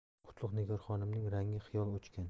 qutlug' nigor xonimning rangi xiyol o'chgan